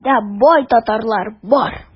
Бездә бай татарлар бар.